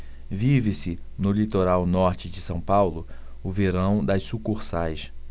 vive-se no litoral norte de são paulo o verão das sucursais